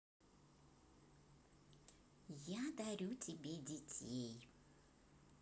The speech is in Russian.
я дарю тебе детей